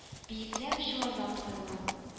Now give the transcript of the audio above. Биекләп-чуарлап коелган